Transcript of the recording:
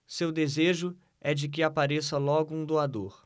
seu desejo é de que apareça logo um doador